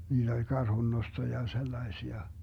niitä oli karhunnosto ja sellaisia